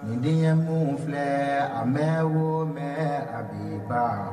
Nin den minnu filɛ a bɛ wo mɛn a bi ba